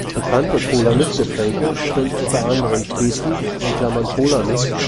Bekannte Cola-Mischgetränke sind unter anderem Spezi (Cola-Mix